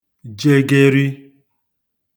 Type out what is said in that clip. jegeri